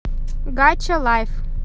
гача лайф